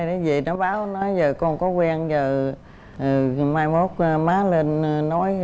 để về nó báo nói giờ con có quen rồi giờ mai mốt má lên nói